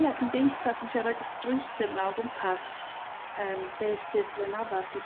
Ia cymdeithas yn trio roid y strwythur 'na o gwmpas yrm beth sydd yn addas i